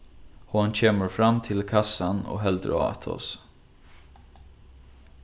hon kemur fram til kassan og heldur á at tosa